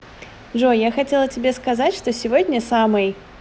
джой я хотела тебе сказать что сегодня самый